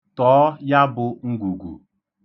Tọọ ya bụ ngwugwu.